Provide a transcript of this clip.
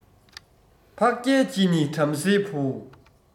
འཕགས རྒྱལ གྱི ནི བྲམ ཟེའི བུ